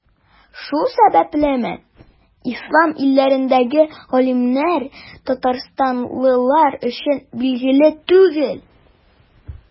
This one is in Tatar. Шул сәбәплеме, Ислам илләрендәге галимнәр Татарстанлылар өчен билгеле түгел.